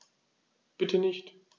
Bitte nicht.